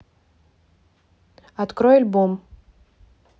открой альбом